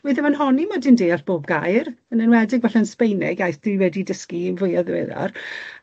Wi ddim yn honni mod i'n deall bob gair, yn enwedig falle yn Sbaeneg, iaith dwi wedi dysgu yn fwya ddiweddar.